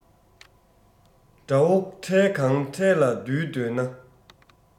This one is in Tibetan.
དགྲ བོ འཕྲལ གང འཕྲལ ལ འདུལ འདོད ན